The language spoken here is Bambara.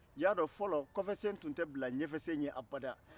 i y'a dɔn fɔlɔ kɔfɛsen tun tɛ bila ɲɛfɛsen habada